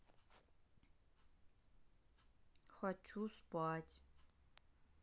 хочу спать